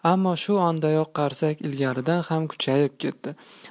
ammo shu ondayoq qarsak ilgarigidan ham kuchayib ketdi